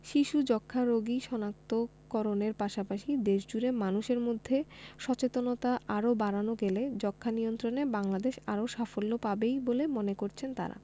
শিশু যক্ষ্ণারোগী শনাক্ত করণের পাশাপাশি দেশজুড়ে মানুষের মধ্যে সচেতনতা আরও বাড়ানো গেলে যক্ষ্মানিয়ন্ত্রণে বাংলাদেশ আরও সাফল্য পাবেই বলে মনে করছেন তারা